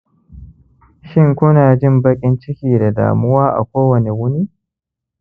shin ku na jin baƙin-ciki da damuwa a kowane wuni